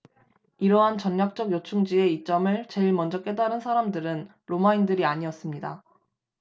이러한 전략적 요충지의 이점을 제일 먼저 깨달은 사람들은 로마인들이 아니었습니다